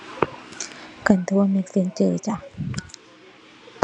ก็โทร Messenger จ้ะ